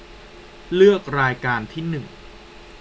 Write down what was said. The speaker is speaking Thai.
เลือกรายการที่หนึ่ง